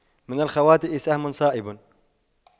من الخواطئ سهم صائب